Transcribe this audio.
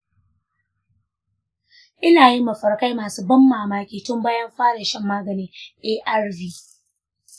ina yin mafarkai masu ban mamaki tun bayan fara shan maganin arv.